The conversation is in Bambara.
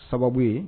Sababu ye